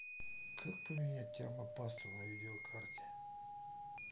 как поменять термопасту на видеокарте